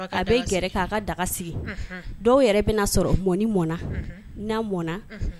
A bɛ gɛrɛ k'a ka daga sigi dɔw yɛrɛ bɛnaa sɔrɔ mɔni mɔn na mɔn